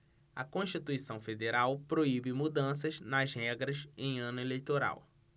a constituição federal proíbe mudanças nas regras em ano eleitoral